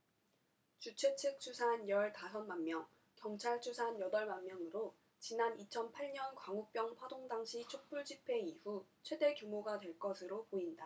주최측 추산 열 다섯 만명 경찰 추산 여덟 만명으로 지난 이천 팔 년 광우병 파동 당시 촛불집회 이후 최대 규모가 될 것으로 보인다